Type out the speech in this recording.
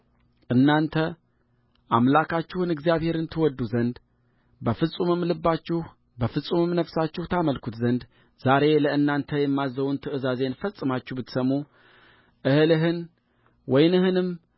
እናንተ አምላካችሁን እግዚአብሔርን ትወድዱ ዘንድ በፍጹምም ልባችሁ በፍጹምም ነፍሳችሁ ታመልኩት ዘንድ ዛሬ ለእናንተ የማዝዘውን ትእዛዜን ፈጽማችሁ ብትሰሙእህልህን ወይንህንም